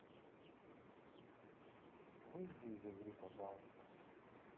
выйди из игры пожалуйста